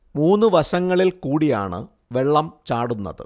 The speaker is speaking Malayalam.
മൂന്നു വശങ്ങളിൽ കൂടിയാണ് വെള്ളം ചാടുന്നത്